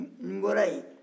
ni n bɔra yen